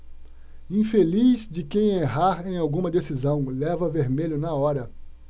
infeliz de quem errar em alguma decisão leva vermelho na hora